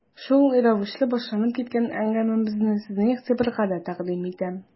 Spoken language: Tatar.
Шул рәвешле башланып киткән әңгәмәбезне сезнең игътибарга да тәкъдим итәм.